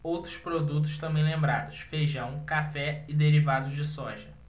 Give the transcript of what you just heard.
outros produtos também lembrados feijão café e derivados de soja